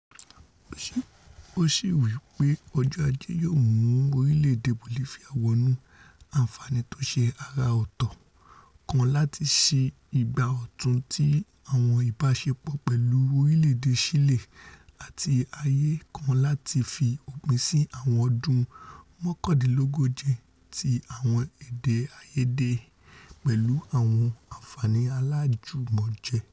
O sowí pé Ọjọ́ Ajé yóò mu orílẹ̀-èdè Bolifia wọnú ''ànfààní tóṣe àrà-ọ̀tọ̀ kan láti sí ìgbà ọ̀tun ti àwọn ìbáṣepọ̀ pẹ̀lú orílẹ̀-èdè Ṣílì̀'' àti ààyè kan láti ''fi òpin sí àwọn ọdún mọ́kàndínlógóje ti àwọn èdé-àìyedè pẹ̀lú àwọn àǹfààní aláàjùmọ̀je”̣̣.